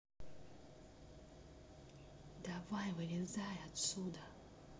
давай вылезай отсюда